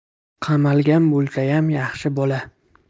qamalgan bo'lsayam yaxshi bola